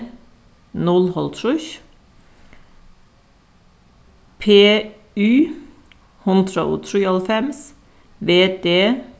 null hálvtrýss p y hundrað og trýoghálvfems v d